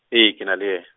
ee ke na le ye.